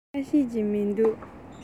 ཞེ དྲགས ཤེས ཀྱི མི འདུག